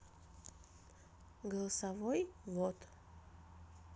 голосовой ввод